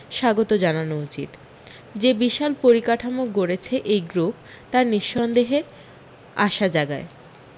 স্বাগত জানানো উচিত যে বিশাল পরিকাঠামো গড়েছে এই গ্রুপ তা নিসন্দেহে আশা জাগায়